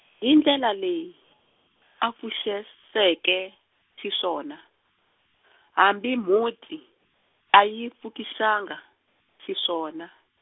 hi ndlela leyi, a pfuxes- seke xiswona, hambi mhunti, a yi pfuki swanga, xiswona.